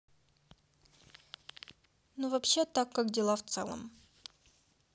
ну вообще так как дела в целом